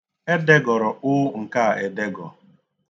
E degọrọ 'ụ' nke a edegọ.